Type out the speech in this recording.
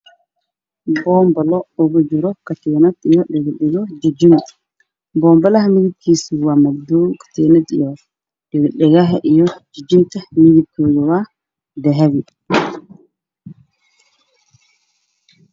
Medha wax la sirta waxaa suran suran ka tiinad dahabi ah